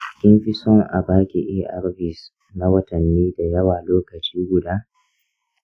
kin fi son a ba ki arvs na watanni da yawa lokaci guda?